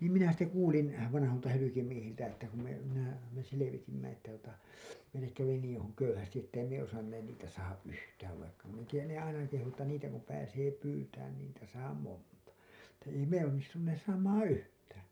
niin minä sitten kuulin vanhoilta hyljemiehiltä että kun me minä me selvitimme että tuota meille kävi niin - köyhästi että ei me osanneet niitä saada yhtään vaikka minä en tiedä ne aina kehui että niitä kun pääsee pyytämään niin niitä saa monta että ei me onnistuneet saamaan yhtään